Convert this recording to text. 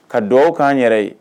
Ka duwawu k'an yɛrɛ ye